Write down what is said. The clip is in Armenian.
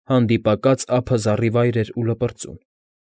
Հանդիպակաց ափը զառիվայր էր ու լպրծուն։